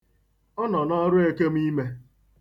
Ọ nọ n'ọrụ ekemụime.